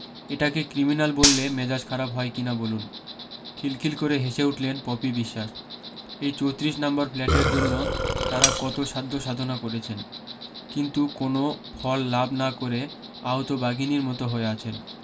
এটাকে ক্রিমিন্যাল বললে মেজাজ খারাপ হয় কিনা বলুন খিলখিল করে হেসে উঠলেন পপি বিশ্বাস এই চোত্রিশ নম্বর ফ্ল্যাটের জন্য তারা কত সাধ্য সাধনা করেছেন কিন্তু কোনো ফল লাভ না করে আহত বাঘিনীর মতো হয়ে আছেন